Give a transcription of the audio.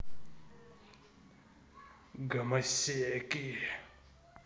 гомосеки